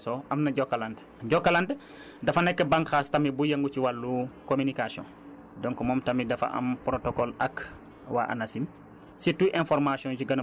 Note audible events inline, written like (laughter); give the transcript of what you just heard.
donc donc bu la (hesitation) bu Anacim weesoo am na Jokalante Jokalante (breath) dafa nekk bànqaas tamit buy yëngu ci wàllu communication donc moom tamit dafa am protocole ak waa Anacim